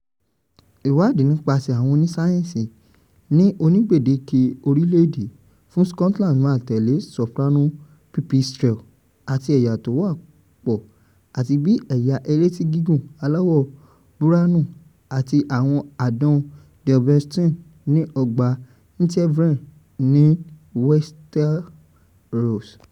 Ìwádìí nípaṣẹ̀ àwọn oníṣáyẹ́ǹsì ní Onígbẹkẹ̀lé Orílẹ̀-èdè fún Scotland máa tẹ̀lé soprano pipistrelles àti ẹ̀yà tó wapọ̀ àti bíi ẹ̀yà elétí-gígùn aláwọ̀ búránù àti àwọn àdán Daubenton ní Ọgbà Inverewe ní Wester Ross.